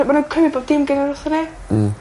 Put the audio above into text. ...ma nw'n cymryd bob dim gennyn wrthyn ni. Hmm.